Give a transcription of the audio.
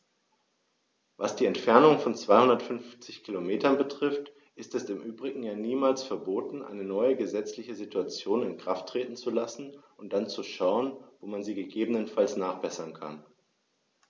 Was die Entfernung von 250 Kilometern betrifft, ist es im Übrigen ja niemals verboten, eine neue gesetzliche Situation in Kraft treten zu lassen und dann zu schauen, wo man sie gegebenenfalls nachbessern kann.